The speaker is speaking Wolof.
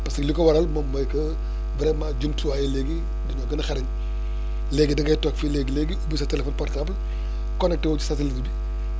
parce que li ko waral moom mooy que vraiment jumtuwaay yi léegi dañoo gën a xarañ léegi dangay toog fii léegi léegi ubbi sa téléphone portable connecté wu si satélite bi